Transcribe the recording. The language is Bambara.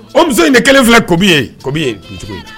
O muso in de kɛlen filɛ kobi ye kobi ye nin cogo in